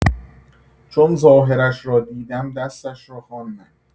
چون ظاهرش را دیدم دستش را خواندم.